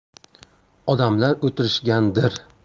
odamlar o'tirishgandir